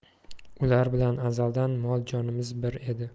ular bilan azaldan mol jonimiz bir edi